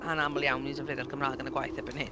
Anaml iawn ni'n defnyddio'r Gymraeg yn y gwaith ebyn hyn.